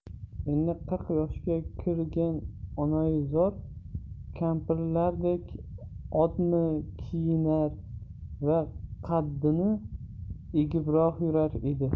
endi qirq yoshga kirgan onaizor kampirlardek odmi kiyinar va qaddini egibroq yurar edi